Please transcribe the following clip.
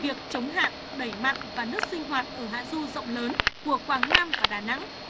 việc chống hạn đẩy mặn và nước sinh hoạt ở hạ du rộng lớn của quảng nam và đà nẵng